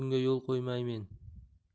bunga yo'l qo'ymaymen